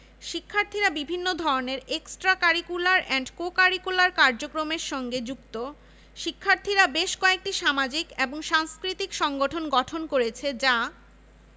বর্তমানে কলা অনুষদ নেই বাংলা এবং ইংরেজি সমাজবিজ্ঞান অনুষদের সঙ্গে একীভূত হয়েছে